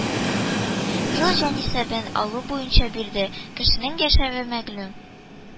Ел җанисәбен алу буенча бирде кешенең яшәве мәгълүм